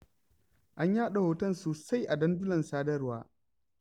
An yaɗa hoton sosai a dandulan sadarwa.